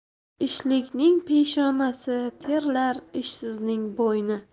ishlikning peshonasi terlar ishsizning bo'yni